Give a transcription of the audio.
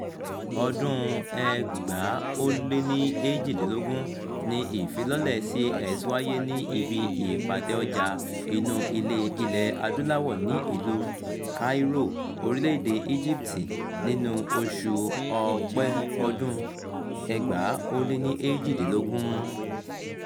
Ọdún-un 2018 ni ìfilọ́lẹ̀ CAX wáyé ní ibi Ìpàtẹ Ọjà Inú Ilẹ̀-Adúláwọ̀ ní ìlúu Cairo, orílẹ̀-èdèe Egypt, nínú oṣù Ọ̀pẹ̀ ọdún-un 2018.